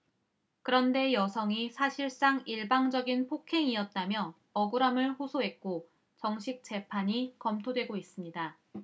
그런데 여성이 사실상 일방적인 폭행이었다며 억울함을 호소했고 정식 재판이 검토되고 있습니다